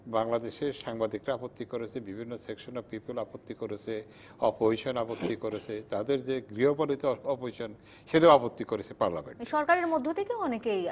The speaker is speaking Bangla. বাংলাদেশে সাংবাদিক আপত্তি করেছে বিভিন্ন সেকশন অফ পিপল আপত্তি করেছে অপোজিশন আপত্তি করেছে তার গৃহপালিত অপজিশন সেটাও আপত্তি করেছে পার্লামেন্টে সরকার মধ্য থেকে অনেকে